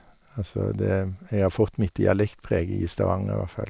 Altså, det jeg har fått mitt dialektpreg i Stavanger, hvert fall.